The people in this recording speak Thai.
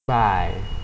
บ่าย